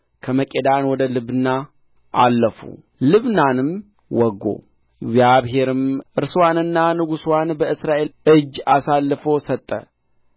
ከመቄዳ ወደ ልብና አለፉ ልብናንም ወጉ እግዚአብሔርም እርስዋንና ንጉሥዋን በእስራኤል እጅ አሳልፎ ሰጠ እርስዋንም